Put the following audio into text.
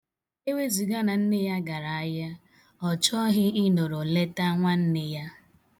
Ewezuga na nne ya gara ahịa, ọ chọghị ịnọrọ leta nwanne ya.